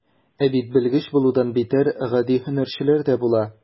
Ә бит белгеч булудан битәр, гади һөнәрчеләр дә була.